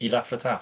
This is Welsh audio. I Laff ar y Taff?